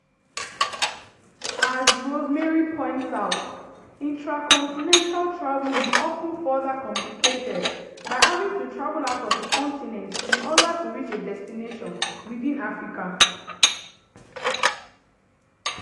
As Rosemary points out, intra-continental travel is often further complicated by having to travel out of the continent in order to reach a destination within Africa.